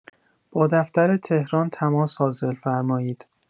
با دفتر تهران تماس حاصل فرمایید